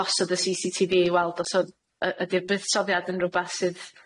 gosod y See See Tee Vee i weld os odd y- ydi'r buddsoddiad yn rwbeth sydd